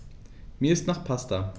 Mir ist nach Pasta.